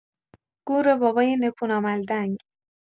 گور بابای نکونام الدنگ